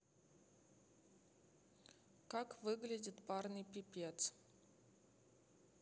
как выглядит парный пипец